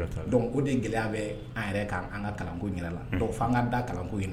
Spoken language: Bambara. O de gɛlɛya bɛ an yɛrɛ k an ka kalanko yɛrɛ la' an ka da kalanko in